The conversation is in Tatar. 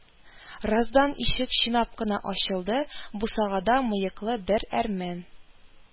Раздан ишек чинап кына ачылды, бусагада мыеклы бер әрмән